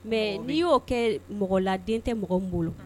Mɛ n'i y'o kɛ mɔgɔ la den tɛ mɔgɔ n bolo